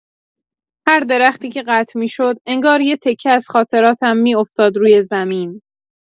هر درختی که قطع می‌شد، انگار یه تکه از خاطراتم می‌افتاد روی زمین.